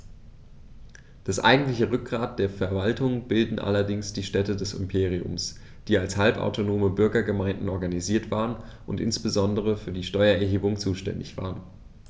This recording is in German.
Das eigentliche Rückgrat der Verwaltung bildeten allerdings die Städte des Imperiums, die als halbautonome Bürgergemeinden organisiert waren und insbesondere für die Steuererhebung zuständig waren.